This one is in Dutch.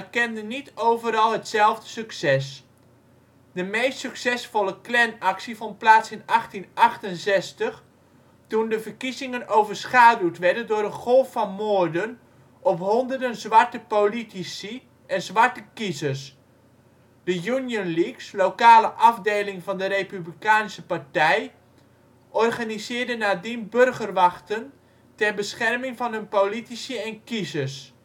kende niet overal hetzelfde succes. De meest ' succesvolle ' Klanactie vond plaats in 1868 toen de verkiezingen overschaduwd werden door een golf van moorden op honderden zwarte politici en zwarte kiezers. De Union Leagues, lokale afdelingen van Republikeinse partij, organiseerden nadien burgerwachten ter bescherming van hun politici en kiezers